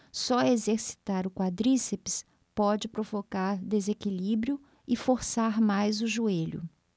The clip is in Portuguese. só exercitar o quadríceps pode provocar desequilíbrio e forçar mais o joelho